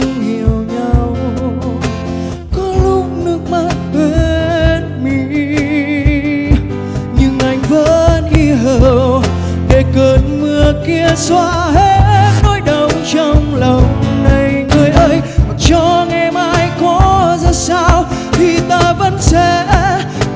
hiểu nhau có lúc nước mắt hoen mi nhưng anh vẫn yêu để cơn mưa kia xóa hết trong lòng này người ơi mặc cho ngày mai có ra sao thì ta vẫn sẽ